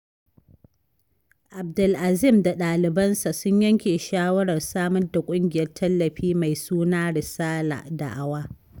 Abdel-Azim da ɗalibansa sun yanke shawarar samar da ƙungiyar tallafi mai suna Resala ( Da'awa).